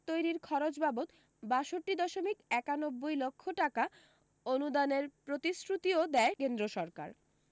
তৈরীর খরচ বাবদ বাষট্টি দশমিক একানব্বই লক্ষ টাকা অনুদানের প্রতিশ্রুতিও দেয় কেন্দ্র সরকার